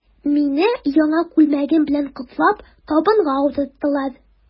Мине, яңа күлмәгем белән котлап, табынга утырттылар.